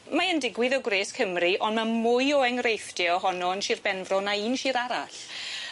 Mae yn digwydd o gwres Cymru on' ma' mwy o engreifftie ohono yn Shir Benfro na un shr arall.